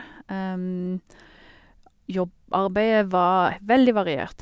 jobb Arbeidet var veldig variert.